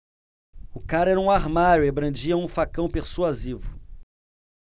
o cara era um armário e brandia um facão persuasivo